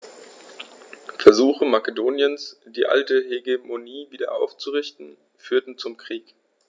Versuche Makedoniens, die alte Hegemonie wieder aufzurichten, führten zum Krieg.